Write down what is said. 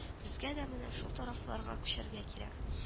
– безгә дә менә шул тарафларга күчәргә кирәк